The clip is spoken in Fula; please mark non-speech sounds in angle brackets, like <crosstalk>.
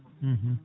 <hesitation> <hesitation>